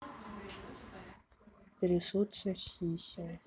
трясутся сиси